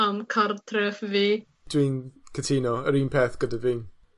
yym cartref fi. Dwi'n cytuno. Yr un peth gyda fi.